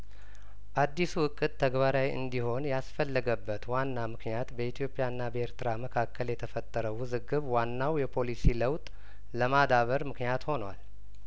አዲሱ እቅድ ተግባራዊ እንዲሆን ያስፈለገበት ዋናምክንያት በኢትዮጵያና በኤርትራ መካከል የተፈጠረው ውዝግብ ዋናው የፖሊሲ ለውጥ ለማዳበር ምክንያት ሆኗል